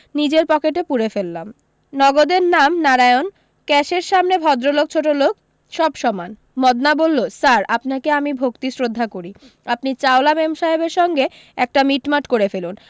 নিজের পকেটে পুরে ফেললাম নগদের নাম নারায়ণ ক্যাশের সামনে ভদ্রলোক ছোটোলোক সব সমান মদনা বললো স্যার আপনাকে আমি ভক্তি শ্রদ্ধা করি আপনি চাওলা মেমসাহেবের সঙ্গে একটা মিটমাট করে ফেলুন